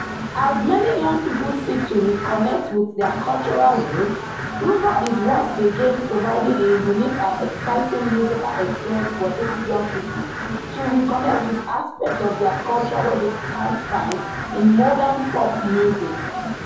As many young people seek to connect with their cultural roots, Rhumba is once again providing a unique and exciting musical experience for these young people to reconnect with aspects of their culture they can’t find in modern pop music.